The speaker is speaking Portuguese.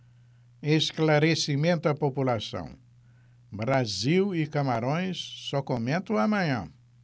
esclarecimento à população brasil e camarões só comento amanhã